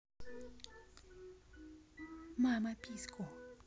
мама письку